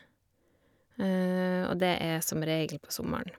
Og det er som regel på sommeren.